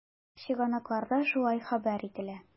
Чыганакларда шулай хәбәр ителә.